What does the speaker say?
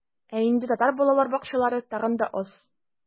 Ә инде татар балалар бакчалары тагын да аз.